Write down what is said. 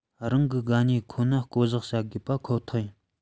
རང གི དགའ ཉེ ཁོ ན བསྐོ གཞག བྱ དགོས པ ཁོ ཐག ཡིན